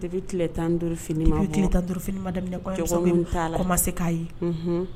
Depuis kile 15 fini ma bɔ depuis fini ma deminɛ, jojo min ta la u ma se ka ye. Unhun